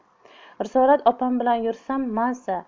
risolat opam bilan yursam mazza